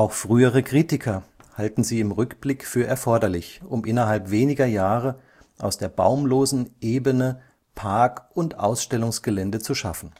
frühere Kritiker halten sie im Rückblick für erforderlich, um innerhalb weniger Jahre aus der baumlosen Ebene Park und Ausstellungsgelände zu schaffen